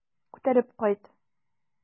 Күтәреп кайт.